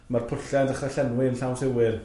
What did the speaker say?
ma'r pwllau yn dechrau llenwi yn llawn siwyr.